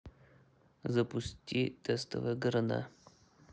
запусти тестовые города